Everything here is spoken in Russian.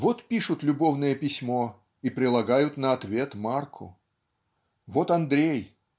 Вот пишут любовное письмо и прилагают на ответ марку. Вот Андрей